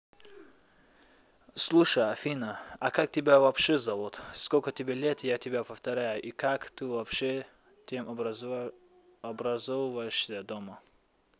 слушай афина а как тебя вообще зовут сколько тебе лет я тебе повторяю и как ты вообще там образовываешься дома